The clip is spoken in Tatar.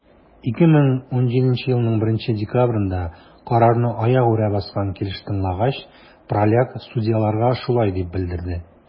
2017 елның 1 декабрендә, карарны аягүрә баскан килеш тыңлагач, праляк судьяларга шулай дип белдерде: